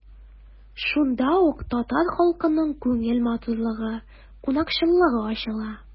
Шунда ук татар халкының күңел матурлыгы, кунакчыллыгы ачыла.